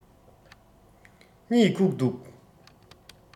གཉིད ཁུག འདུག